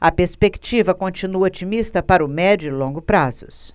a perspectiva continua otimista para o médio e longo prazos